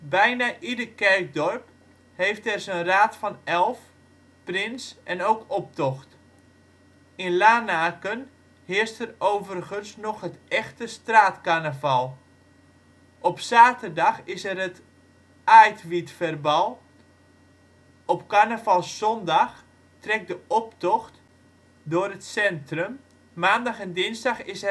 Bijna ieder kerkdorp heeft er z 'n raad van elf, prins en ook optocht. In Lanaken heerst er overigens nog het echte straatcarnaval. Op zaterdag is er het aaijdwieverbal, op carnavalszondag trekt de optocht door het centrum, maandag en dinsdag is